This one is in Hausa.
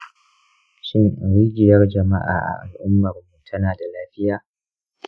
shin rijiyar jama’a a al’ummarmu tana da lafiya?